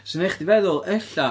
Sy'n wneud chdi feddwl ella...